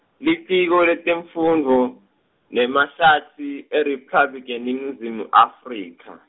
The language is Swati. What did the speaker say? Litiko Letemfundvo, nemaHlatsi, IRiphabliki yeNingizimu Afrika.